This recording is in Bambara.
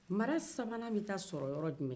mara sabanan bɛ taa sɔrɔ yɔrɔ jumɛn